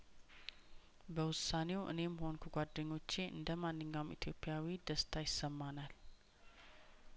በውሳኔው እኔም ሆንኩ ጓደኞቼ እንደማንኛውም ኢትዮጵያዊ ደስታ ይሰማናል